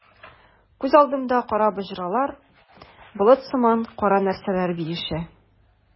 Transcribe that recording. Күз алдымда кара боҗралар, болыт сыман кара нәрсәләр биешә.